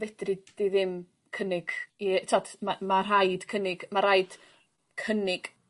fedri di ddim cynnig ie t'od ma' ma' rhaid cynnig ma' raid cynnig